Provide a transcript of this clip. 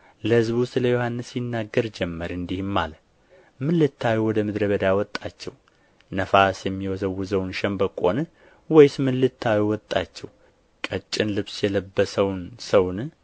ለሕዝቡ ስለ ዮሐንስ ይናገር ጀመር እንዲህም አለ ምን ልታዩ ወደ ምድረ በዳ ወጣችሁ ነፋስ የሚወዘውዘውን ሸምበቆን ወይስ ምን ልታዩ ወጣችሁ ቀጭን ልብስ የለበሰውን ሰውን